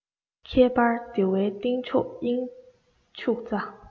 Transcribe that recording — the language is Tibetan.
ཁྱད པར བདེ བའི རྟེན མཆོག དབྱིངས ཕྱུག རྩ